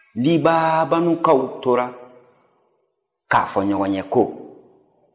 libaabanunkaw tora k'a fɔ ɲɔgɔn ye ko